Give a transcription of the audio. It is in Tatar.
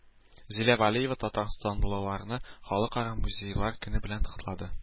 Зилә Вәлиева татарстанлыларны Халыкара музейлар көне белән котлады